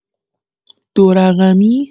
دو رقمی؟